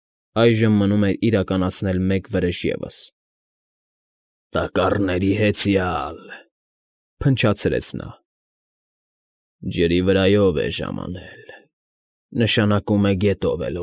Այժմ մնում էր իրականացնել մեկ վրեժ ևս։ ֊ Տակառների հեծյալ,֊ փնչացրեց նա։֊ Ջրի վրայով է ժամանել, նշանակում է գետով է։